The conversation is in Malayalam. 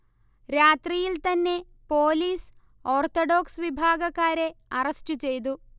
രാത്രിയിൽതന്നെ പോലീസ് ഓർത്തഡോക്സ് വിഭാഗക്കാരെ അറസ്റ്റു ചെയ്തു